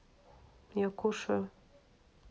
я кушаю